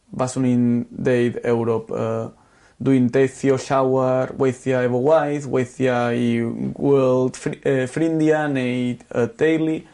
baswn i'n deud Ewrop yy r dwi'n deithio llawer weithiau efo waith weithiau i w- gweld ffri- yy ffrindia neu d- y teulu